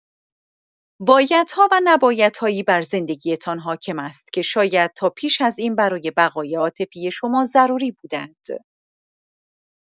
بایدها و نبایدهایی بر زندگی‌تان حاکم است که شاید تا پیش از این برای بقای عاطفی شما ضروری بوده‌اند.